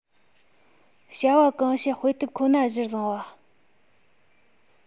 བྱ བ གང བྱེད དཔེ དེབ ཁོ ན གཞིར བཟུང བ